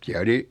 siellä oli